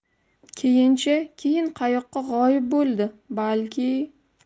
keyin chi keyin qayoqqa g'oyib bo'ldi balki